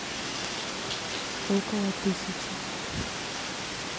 около тысячи